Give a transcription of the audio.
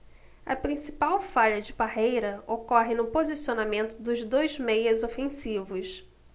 a principal falha de parreira ocorre no posicionamento dos dois meias ofensivos